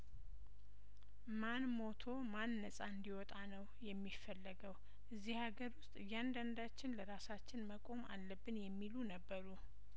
ማን ሞቶ ማን ነጻ እንዲወጣ ነው የሚፈለገው እዚህ አገር ውስጥ እያንዳንዳችን ለራሳችን መቆም አለብን የሚሉ ነበሩ